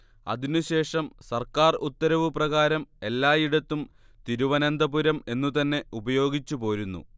അതിനു ശേഷം സർക്കാർ ഉത്തരവു പ്രകാരം എല്ലായിടത്തും തിരുവനന്തപുരം എന്നുതന്നെ ഉപയോഗിച്ചുപോരുന്നു